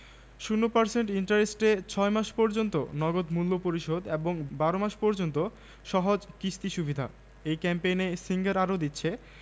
হুমায়ুন আহমেদ নন্দিত নরকে রাবেয়া ঘুরে ঘুরে সেই কথা কটিই বার বার বলছিলো রুনুর মাথা নীচু হতে হতে থুতনি বুকের সঙ্গে লেগে গিয়েছিলো আমি দেখলাম